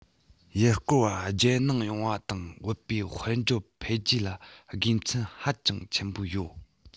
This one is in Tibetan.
ཡུལ སྐོར བ རྒྱལ ནང ཡོང བ དང བུད པས དཔལ འབྱོར འཕེལ རྒྱས ལ དགེ མཚན ཧ ཅང ཆེན པོ ཡོད